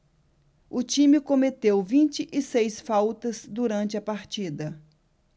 o time cometeu vinte e seis faltas durante a partida